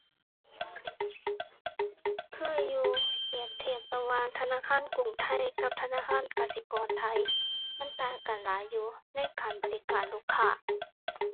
เคยอยู่ เปรียบเทียบระหว่างธนาคารกรุงไทยกับธนาคารกสิกรไทย มันต่างกันหลายอยู่ในการบริการลูกค้า